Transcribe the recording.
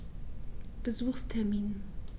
Besuchstermin